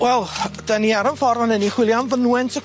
Wel yy 'dyn ni ar 'yn ffor fan 'yn i chwilio am fynwent y